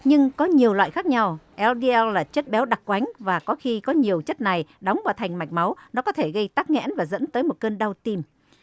nhưng có nhiều loại khác nhau eo đi eo là chất béo đặc quánh và có khi có nhiều chất này đóng vào thành mạch máu nó có thể gây tắc nghẽn và dẫn tới một cơn đau tim